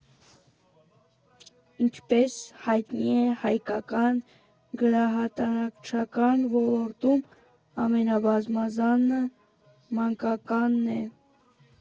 Ինչպես հայտնի է, հայկական գրահրատարակչական ոլորտում ամենաբազմազանը մանկականն է։